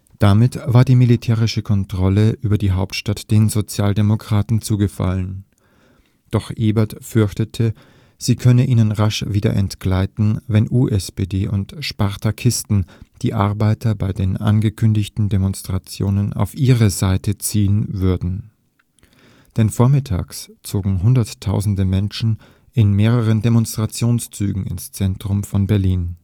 Damit war die militärische Kontrolle über die Hauptstadt den Sozialdemokraten zugefallen. Doch Ebert fürchtete, sie könne ihnen rasch wieder entgleiten, wenn USPD und Spartakisten die Arbeiter bei den angekündigten Demonstrationen auf ihre Seite ziehen würden. Denn vormittags zogen Hunderttausende Menschen in mehreren Demonstrationszügen ins Zentrum von Berlin